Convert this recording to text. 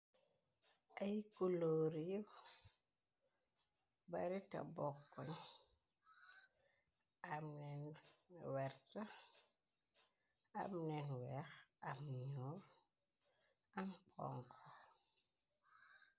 Ay kulooréew bari ta bokkon amnen weex amño am xonku